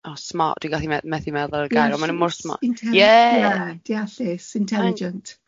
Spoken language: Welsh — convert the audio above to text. Oh smart. Dwi'n gallu methu methu meddwl ar y gair on maen nhw mor smart. Intelligent. Ie. Ie. Deallus. Intelligent.